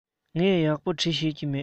ངས ཡག པོ འབྲི ཤེས ཀྱི མེད